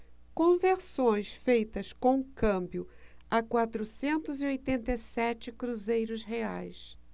conversões feitas com câmbio a quatrocentos e oitenta e sete cruzeiros reais